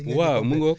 li ngeen di def rekk